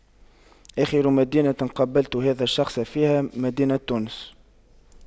آخر مدينة قابلت هذا الشخص فيها مدينة تونس